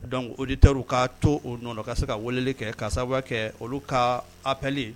Donc auditeur w kaa too u nɔna u ka se ka weleli kɛ k'a saabuya kɛɛ olu kaa appel ye